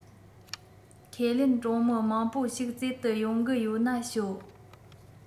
ཁས ལེན གྲོང མི མང པོ ཞིག རྩེད དུ ཡོང གི ཡོད ན ཤོད